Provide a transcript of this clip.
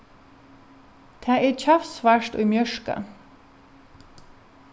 tað er kjaftsvart í mjørka